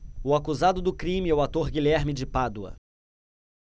o acusado do crime é o ator guilherme de pádua